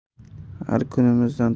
har kunimizdan to'g'ri xulosa